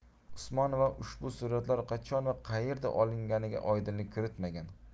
usmonova ushbu suratlar qachon va qayerda olinganiga oydinlik kiritmagan